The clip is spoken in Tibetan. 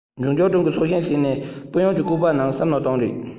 ཁས ལེན མ འོངས པར བྱ བ ནི གནད དོན ཡོད